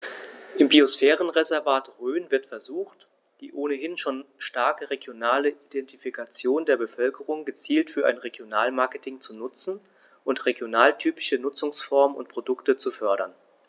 Im Biosphärenreservat Rhön wird versucht, die ohnehin schon starke regionale Identifikation der Bevölkerung gezielt für ein Regionalmarketing zu nutzen und regionaltypische Nutzungsformen und Produkte zu fördern.